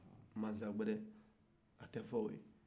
masa wɛrɛ a tɛ fɔ o ye